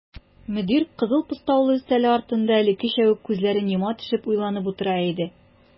Мөдир кызыл постаулы өстәле артында элеккечә үк күзләрен йома төшеп уйланып утыра иде.